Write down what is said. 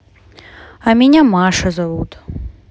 а меня маша зовут